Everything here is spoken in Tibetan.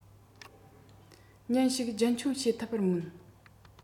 ཉིན ཞིག རྒྱུན འཁྱོངས བྱེད ཐུབ པར སྨོན